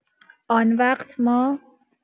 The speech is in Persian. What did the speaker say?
آنوقت ما..